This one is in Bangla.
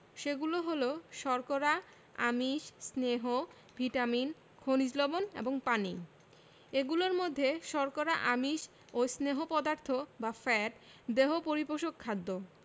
সেগুলো হলো শর্করা আমিষ স্নেহ ভিটামিন খনিজ লবন এবং পানি এগুলোর মধ্যে শর্করা আমিষ ও স্নেহ পদার্থ বা ফ্যাট দেহ পরিপোষক খাদ্য